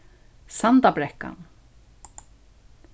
sandabrekkan